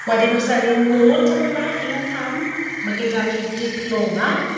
wedyn os ewn ni nôl tamed bach un cam, ma' gyda ni'r diploma.